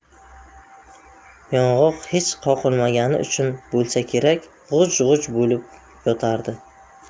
yong'oq hech qoqilmagani uchun bo'lsa kerak g'uj g'uj bo'lib yotardi